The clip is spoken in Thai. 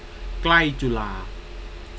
ใกล้จุฬา